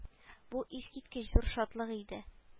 Бу искиткеч зур шатлык иде